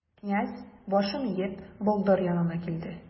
Князь, башын иеп, болдыр янына килде.